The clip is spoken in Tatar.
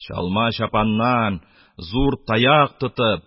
Чалма, чапаннан, зур таяк тотып,